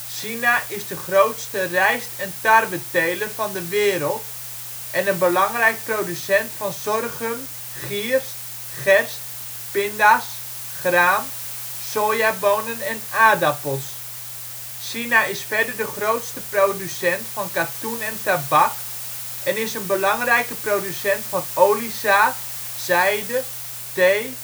China is de grootste rijst - en tarweteler van de wereld en een belangrijke producent van sorghum, gierst, gerst, pinda 's, graan, sojabonen en aardappels. China is verder de grootste producent van katoen en tabak en is een belangrijke producent van oliezaad, zijde, thee